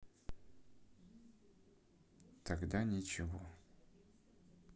тогда ничего